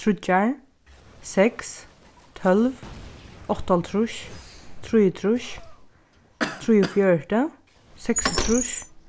tríggjar seks tólv áttaoghálvtrýss trýogtrýss trýogfjøruti seksogtrýss